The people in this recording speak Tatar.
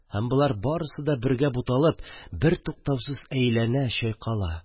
Һәм болар барысы да бергә буталып бертуктаусыз әйләнә, чайкала.